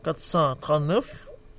439